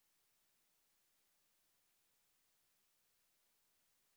пятый в квартете